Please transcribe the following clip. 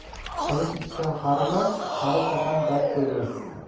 qimiz ichgan qarimas qarisa ham dard ko'rmas